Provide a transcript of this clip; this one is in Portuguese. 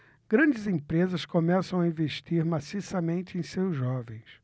grandes empresas começam a investir maciçamente em seus jovens